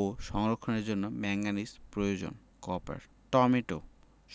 ও সংরক্ষণের জন্য ম্যাংগানিজ প্রয়োজন কপার টমেটো